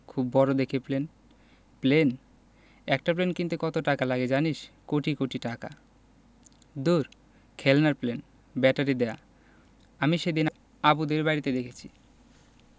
খুব বড় দেখে প্লেন প্লেন একটা প্লেন কিনতে কত টাকা লাগে জানিস কোটি কোটি টাকা দূর খেলনার প্লেন ব্যাটারি দেয়া আমি সেদিন আবুদের বাড়িতে দেখেছি